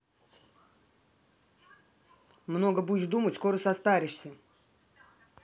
много будешь думать скоро состаришься